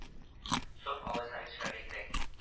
Соң алайса нишләргә кирәк